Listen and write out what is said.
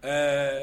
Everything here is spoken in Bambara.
Hɛrɛ